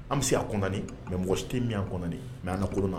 An bɛ se a mɛ mɔgɔ tɛ minyan mɛ an kaurun na